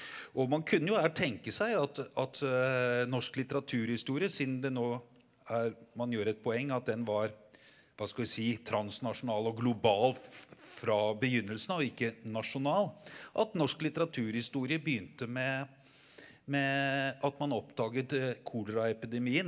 og man kunne jo her tenke seg at at norsk litteraturhistorie siden det nå er man gjør et poeng at den var hva skal vi si transnasjonal og global fra begynnelsen og ikke nasjonal at norsk litteraturhistorie begynte med med at man oppdaget koleraepidemien.